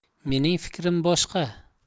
mening fikrim boshqa